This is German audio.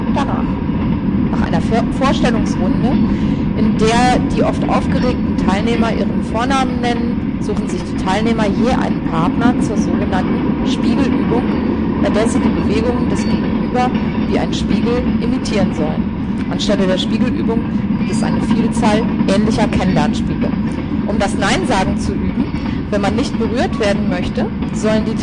danach. Nach einer Vorstellungsrunde, in der die oft aufgeregten Teilnehmer ihren Vornamen nennen, suchen sich die Teilnehmer je einen Partner zur sogenannten " Spiegel-Übung ", bei der sie die Bewegungen des Gegenüber wie ein Spiegel imitieren sollen (Anstelle der Spiegel-Übung gibt es eine Vielzahl ähnlicher Kennenlernspiele). Um das Neinsagen zu üben, wenn man nicht berührt werden möchte, sollen